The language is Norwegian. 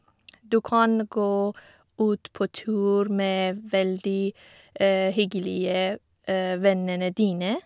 Du kan gå ut på tur med veldig hyggelige vennene dine.